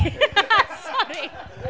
Sori.